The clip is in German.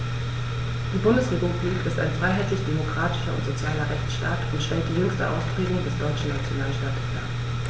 Die Bundesrepublik ist ein freiheitlich-demokratischer und sozialer Rechtsstaat und stellt die jüngste Ausprägung des deutschen Nationalstaates dar.